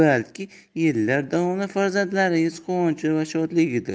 balki yillar davomida farzandlaringiz quvonchi va shodligidir